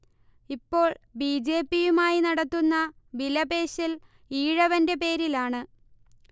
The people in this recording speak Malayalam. ഇപ്പോൾ ബിജെപിയുമായി നടത്തുന്ന വിലപേശൽ ഈഴവന്റെ പേരിലാണ്